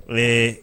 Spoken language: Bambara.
Ee